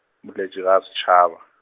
Moleji ga Setšhaba.